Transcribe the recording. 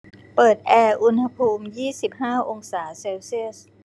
เปิดแอร์อุณหภูมิยี่สิบห้าองศาเซลเซียส